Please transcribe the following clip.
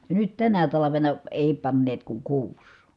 ja nyt tänä talvena ei panneet kuin kuusi